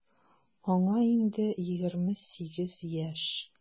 Аңа инде 28 яшь.